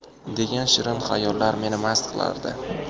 degan shirin xayollar meni mast qilardi